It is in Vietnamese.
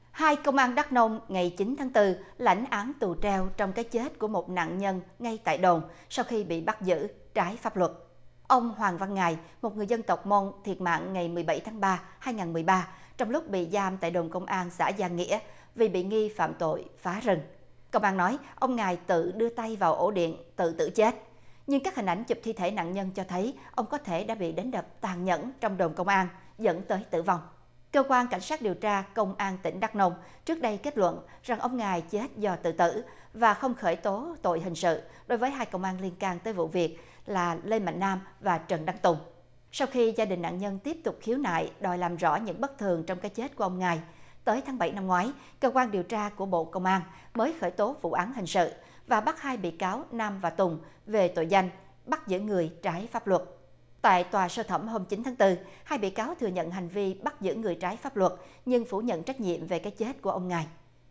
hai công an đắc nông ngày chín tháng tư lãnh án tù treo trong cái chết của một nạn nhân ngay tại đồn sau khi bị bắt giữ trái pháp luật ông hoàng văn ngài một người dân tộc mông thiệt mạng ngày mười bảy tháng ba hai ngàn mười ba trong lúc bị giam tại đồn công an xã gia nghĩa vì bị nghi phạm tội phá rừng công an nói ông ngài tự đưa tay vào ổ điện tự tử chết nhưng các hình ảnh chụp thi thể nạn nhân cho thấy ông có thể đã bị đánh đập tàn nhẫn trong đồn công an dẫn tới tử vong cơ quan cảnh sát điều tra công an tỉnh đắc nông trước đây kết luận rằng ông ngài chết do tự tử và không khởi tố tội hình sự đối với hai công an liên can tới vụ việc là lê mạnh nam và trần đăng tùng sau khi gia đình nạn nhân tiếp tục khiếu nại đòi làm rõ những bất thường trong cái chết của ông ngày tới tháng bảy năm ngoái cơ quan điều tra của bộ công an mới khởi tố vụ án hình sự và bắt hai bị cáo nam và tùng về tội danh bắt giữ người trái pháp luật tại tòa sơ thẩm hôm chín tháng tư hai bị cáo thừa nhận hành vi bắt giữ người trái pháp luật nhưng phủ nhận trách nhiệm về cái chết của ông ngài